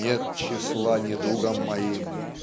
"Нет числа недугам моим".